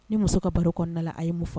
Ni muso ka balo kɔnɔna a ye mun